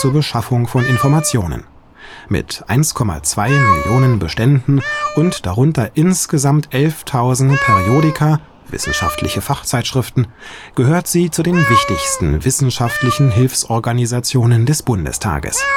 Beschaffung von Informationen. Mit 1,2 Millionen Bänden und darunter insgesamt 11.000 Periodika (wissenschaftlichen Fachzeitschriften) gehört sie zu den wichtigen wissenschaftlichen Hilfsorganisationen des Bundestags